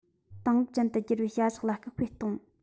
དེང རབས ཅན དུ བསྒྱུར བའི བྱ གཞག ལ སྐུལ སྤེལ གཏོང